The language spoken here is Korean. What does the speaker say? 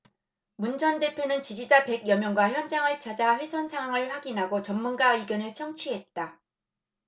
문 전 대표는 지지자 백 여명과 현장을 찾아 훼손 상황을 확인하고 전문가 의견을 청취했다